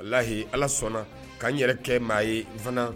Hi ala sɔnna k'an yɛrɛ kɛ maa ye n fana